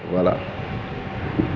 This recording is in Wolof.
voilà